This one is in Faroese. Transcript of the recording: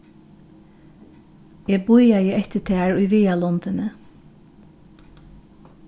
eg bíðaði eftir tær í viðarlundini